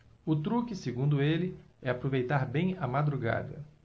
o truque segundo ele é aproveitar bem a madrugada